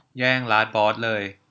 แย่งลาสบอสเลย